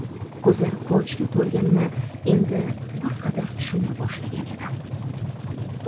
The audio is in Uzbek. ko'zlari quvonchga to'lganini endi bir qadar tushuna boshlagan edim